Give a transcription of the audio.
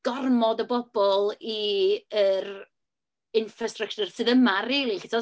Gormod o bobl i yr infrastructure sydd yma rili, felly tibod?